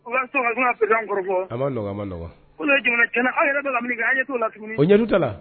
A ye jamana kɛnɛ aw yɛrɛ bɛ lamini an to la ɲ ta la